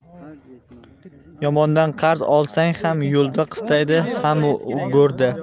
yomondan qarz olsang ham yo'lda qistaydi ham go'rda